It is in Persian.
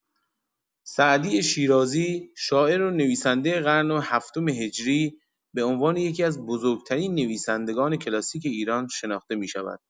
سعدی شیرازی، شاعر و نویسنده قرن هفتم هجری، به عنوان یکی‌از بزرگ‌ترین نویسندگان کلاسیک ایران شناخته می‌شود.